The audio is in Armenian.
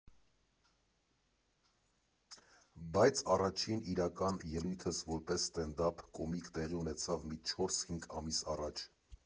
Բայց առաջին իրական ելույթս որպես ստենդափ կոմիկ տեղի ունեցավ մի չորս֊հինգ ամիս առաջ։